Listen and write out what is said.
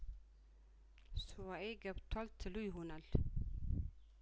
ሱባኤ ገብቷል ትሉ ይሆናል